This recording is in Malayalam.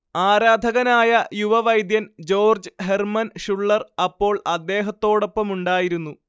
ആരാധകനായ യുവവൈദ്യൻ ജോർജ്ജ് ഹെർമൻ ഷുള്ളർ അപ്പോൾ അദ്ദേഹത്തോടൊപ്പമുണ്ടായിരുന്നു